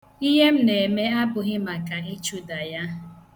Ihe m na-eme abụghị maka ịchụda ya.